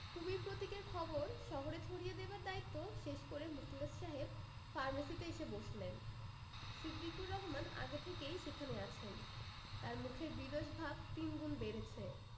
কুমীর প্রতীকের খবর শহরে ছড়িয়ে দেবার দায়িত্ব শেষ করে মুখলেস সাহেব ফার্মেসীতে এসে বসলেন সিদ্দিকুর রহমনি আগে থেকেই সেখানে আছেন তাঁর মুখের বিরস ভাব তিনগুণ বেড়েছে